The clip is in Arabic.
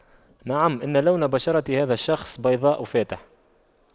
نعم ان لون بشرة هذا الشخص بيضاء فاتح